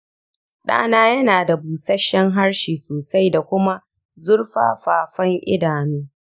ɗana yana da bushashshen harshe sosai da kuma zurfafafan idanu